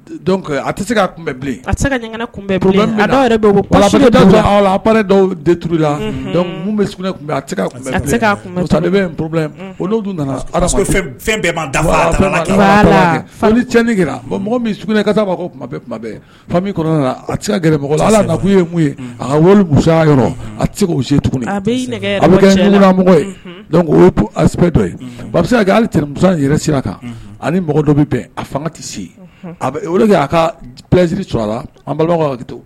A tɛ se yɛrɛ dɔwuru la olu nana fɛn a tɛ ala ye a ka a dɔ se ali mu yɛrɛ sira kan ani mɔgɔ dɔ bɛ a fanga tɛ se ka pzsiri su la balima to